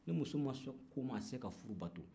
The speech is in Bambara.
ni muso ma sɔn ko ma a tɛ ka furu bato